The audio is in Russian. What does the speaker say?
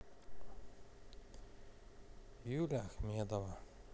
юля ахмедова